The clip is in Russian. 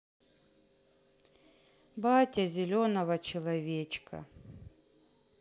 батя зеленого человечка